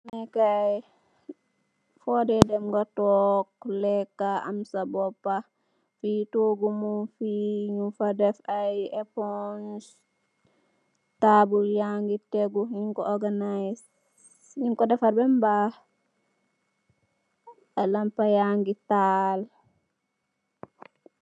Foo de dem nga toog, leekë, am sa boopa. Fii toogu muñg fi, fii ñung fa def ay epons, taabul yàng ngi tégu, ñung ko oganays. Ñung ko defar bam baax, lampa yaa ngi Taal.